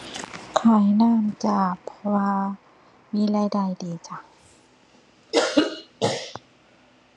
ขายน้ำจ้า เพราะว่ามีรายได้ดีจ้ะ